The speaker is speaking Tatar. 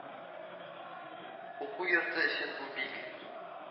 Уку йорты өчен бу бик